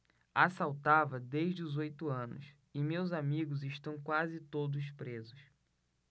assaltava desde os oito anos e meus amigos estão quase todos presos